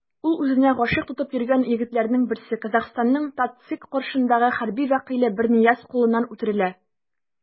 Ул үзенә гашыйк тотып йөргән егетләрнең берсе - Казахстанның ТатЦИК каршындагы хәрби вәкиле Бернияз кулыннан үтерелә.